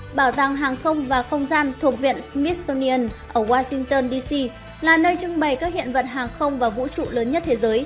bảo tàng hàng không và không gian thuộc viện smithsonian ở washington d c là nơi trưng bày các hiện vật hàng không và vũ trụ lớn nhất thế giới